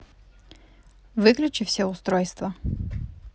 выключи все устройства